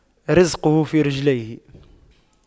رِزْقُه في رجليه